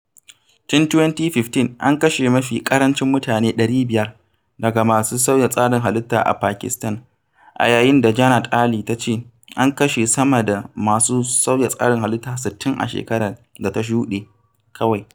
Tun 2015, an kashe mafi ƙaranci mutum 500 daga masu sauya tsarin halitta a Pakistan, a yayin da Jannat Ali ta ce an kashe sama da masu sauya tsarin halitta 60 a shekarar da ta shuɗe kawai.